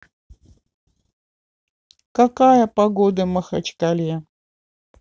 какая погода в махачкале